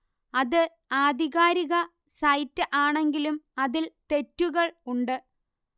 അത് ആധികാരിക സൈറ്റ് ആണെങ്കിലും അതിൽ തെറ്റുകൾ ഉണ്ട്